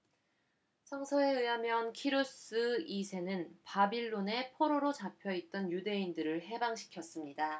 성서에 의하면 키루스 이 세는 바빌론에 포로로 잡혀 있던 유대인들을 해방시켰습니다